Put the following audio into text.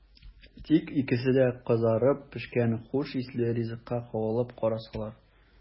Тик икесе дә кызарып пешкән хуш исле ризыкка кагылып карасалар!